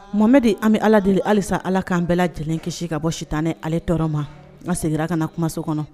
Momɛ de an bɛ ala deli halisa ala k'an bɛɛ lajɛlen kisi ka bɔ sitan ni ale tɔɔrɔ ma n nka seginna ka na kumaso kɔnɔ